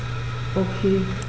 Okay.